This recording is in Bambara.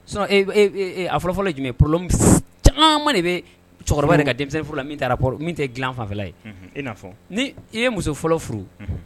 Sinon e e a fɔlɔ fɔlɔ ye jumɛn ye, problème caman de bɛ yen, cɛkɔrɔba yɛrɛɛ ka denmisɛn furu la min rapport min tɛ dilan fanfɛla ye, unhun, i n'a fɔ, ni i ye muso fɔlɔ furu, unhun